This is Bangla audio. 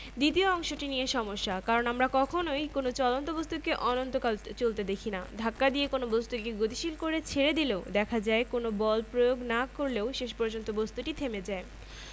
দ্বিতীয় অংশটি নিয়ে সমস্যা কারণ আমরা কখনোই কোনো চলন্ত বস্তুকে অনন্তকাল চলতে দেখি না ধাক্কা দিয়ে কোনো বস্তুকে গতিশীল করে ছেড়ে দিলেও দেখা যায় কোনো বল প্রয়োগ না করলেও শেষ পর্যন্ত বস্তুটা থেমে যায়